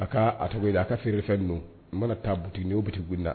A ka a tɔgɔ a ka feereere don n mana taa bu ni'o bɛ gda